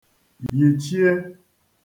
yìchie